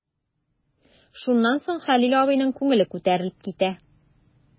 Шуннан соң Хәлил абыйның күңеле күтәрелеп китә.